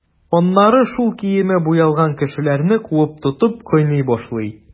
Аннары шул киеме буялган кешеләрне куып тотып, кыйный башлый.